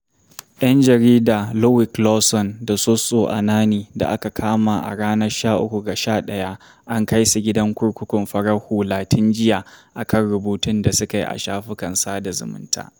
Togo: Yan jarida @loiclawson1 da @SossouAnani da aka kama a ranar 13/11 an kai su gidan kurkukun farar hula tun jiya akan rubutun da sukai a shafukan sada zumunta.